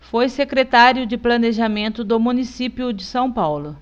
foi secretário de planejamento do município de são paulo